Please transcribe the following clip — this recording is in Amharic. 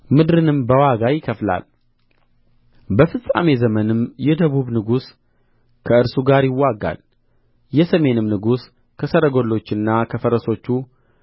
ምድርንም በዋጋ ይከፍላል በፍጻሜ ዘመንም የደቡብ ንጉሥ ከእርሱ ጋር ይዋጋል የሰሜንም ንጉሥ ከሰረገሎችና ከፈረሰኞች